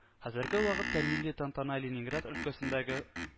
Хәзерге вакытта милли тантана ленинград өлкәсендәге